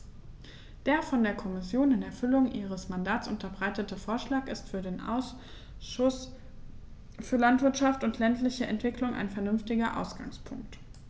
Der von der Kommission in Erfüllung ihres Mandats unterbreitete Vorschlag ist für den Ausschuss für Landwirtschaft und ländliche Entwicklung ein vernünftiger Ausgangspunkt.